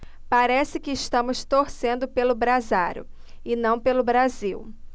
parece que estamos torcendo pelo brasário e não pelo brasil